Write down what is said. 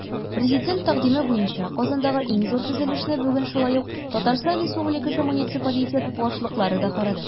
Президент тәкъдиме буенча Казандагы иң зур төзелешне бүген шулай ук ТР муниципалитет башлыклары да карады.